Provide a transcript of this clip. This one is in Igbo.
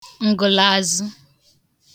ǹgụ̀lààzụ